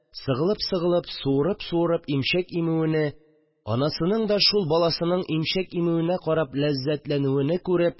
Сыгылып-сыгылып, суырып-суырып имчәк имүене, анасының да шул баласының имчәк имүенә карап ләззәтләнүене күреп